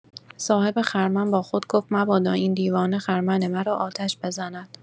صاحب خرمن با خود گفت مبادا این دیوانه خرمن مرا آتش بزند!